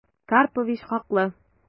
Карпович хаклы...